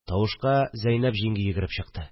Тавышка Зәйнәп җиңги йөгереп чыкты